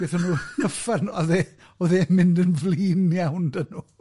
Gaethon nhw cyffwrdd, oedd e oedd e'n mynd yn flin iawn dan nhw .